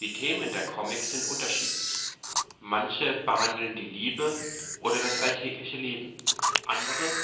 Themen der Comics sind unterschiedlich. Manche behandeln die Liebe oder das alltägliche Leben, andere